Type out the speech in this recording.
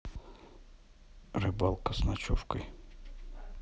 рыбалка с ночевкой